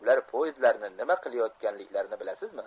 ular poezdlarni nima qilayotganliklarini bilasizmi